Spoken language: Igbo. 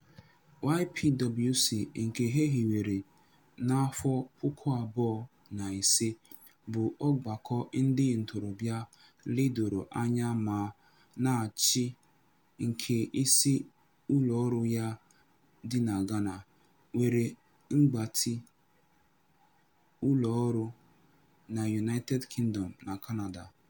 YPWC, nke e hiwere na 2005, bụ ọgbakọ ndị ntorobịa ledoro anya ma na-achị nke isi ụlọọrụ ya dị na Ghana, nwere mgbatị ụlọọrụ na United Kingdom na Canada.